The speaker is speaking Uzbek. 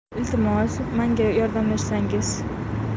iltimos menga yordamlashsangiz